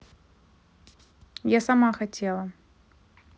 я сама хотела